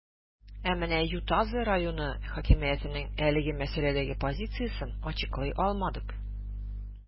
Ә менә Ютазы районы хакимиятенең әлеге мәсьәләдәге позициясен ачыклый алмадык.